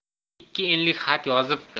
ikki enlik xat yozibdi